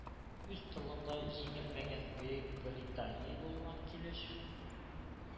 – үз тылында җиңелмәгән бөекбритания булган килеш,